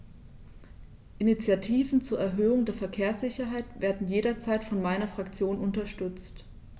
Initiativen zur Erhöhung der Verkehrssicherheit werden jederzeit von meiner Fraktion unterstützt.